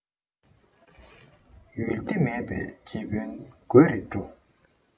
ཡུལ སྡེ མེད པའི རྗེ དཔོན དགོད རེ བྲོ